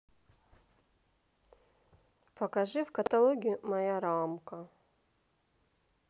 покажи в каталоге моя рамка